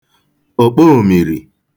òkpoòmìrì